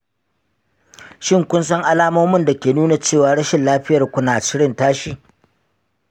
shin kun san alamomin da ke nuna cewa rashin lafiyarku na shirin tashi?